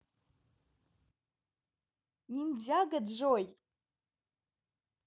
ниндзяго джой